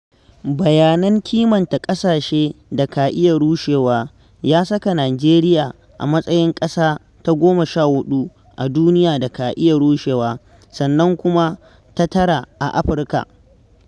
Bayanan kimanta ƙasashe da ka iya rushewa ya saka Nijeriya a matsayin ƙasa ta 14 a duniya da ka iya rushewa, sannan kuma ta tara a Afirka.